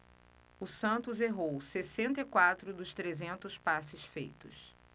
o santos errou sessenta e quatro dos trezentos passes feitos